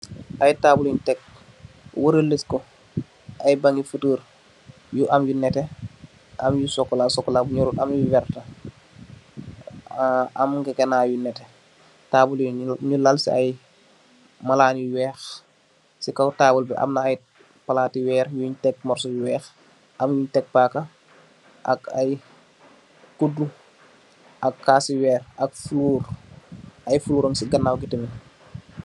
Ay taabul yuñg tek wërële ko, ay bañg i fotoor, yu am yu nétte, am yu sokolaa, sokolaa bu ñorrut, am lu werta, am ñegenaay yu Taabul yi ñu lal si malaan yu weex. Si kow taabul bi ñung fa Tek ay palaat yi weer, tek morso bu weex, ak tek paaka, ak ay kuddu ak kaas i weer, ak fuloor, ay fuloor ang si ganaaw tam